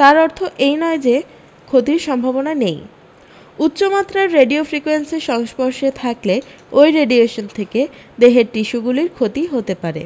তার অর্থ এই নয় যে ক্ষতির সম্ভাবনা নেই উচ্চ মাত্রার রেডিও ফ্রিকোয়েন্সির সংস্পর্শে থাকলে ওই রেডিয়েশন থেকে দেহের টিস্যুগুলির ক্ষতি হতে পারে